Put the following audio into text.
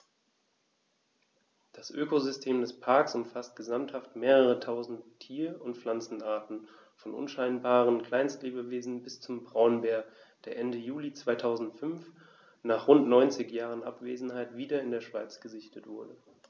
Das Ökosystem des Parks umfasst gesamthaft mehrere tausend Tier- und Pflanzenarten, von unscheinbaren Kleinstlebewesen bis zum Braunbär, der Ende Juli 2005, nach rund 90 Jahren Abwesenheit, wieder in der Schweiz gesichtet wurde.